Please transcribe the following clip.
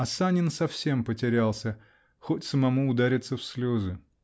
а Санин совсем потерялся -- хоть самому удариться в слезы!